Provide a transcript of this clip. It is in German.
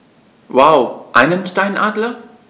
Wow! Einen Steinadler?